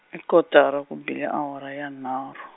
i kotara ku bile awara ya nharhu.